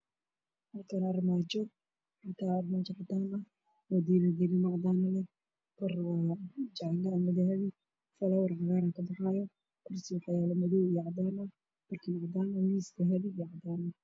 Meeshaan waa meel qol ah oo ka sameysan daro waxayna ku dhex jiro laba kursi oo fadhi ah oo saarayaha baarka buluuga waxaana u dhaxeeya miis qalin ah